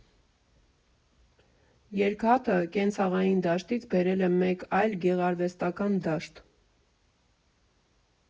Երկաթը կենցաղային դաշտից բերել եմ մեկ այլ՝ գեղարվեստական դաշտ։